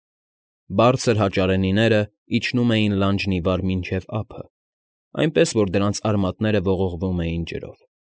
Բարձր հաճարենիները իջնում էին լանջն ի վար մինչև ափը, այնպես որ դրանց արմատները ողողվում էին ջրով։